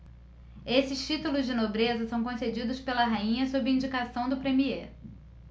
esses títulos de nobreza são concedidos pela rainha sob indicação do premiê